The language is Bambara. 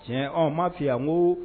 Tiɲɛ ma lafi yan ko